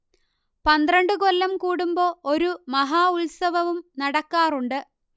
പന്ത്രണ്ടു കൊല്ലം കൂടുമ്പോ ഒരു മഹാ ഉത്സവവും നടക്കാറുണ്ട്